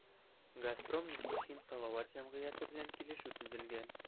“газпром нефтехим салават” җәмгыяте белән килешү төзелгән.